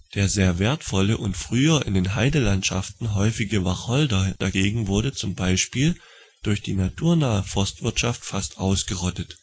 Der sehr wertvolle und früher in Heidelandschaften häufige Wacholder dagegen wurde zum Beispiel durch die naturnahe Forstwirtschaft fast ausgerottet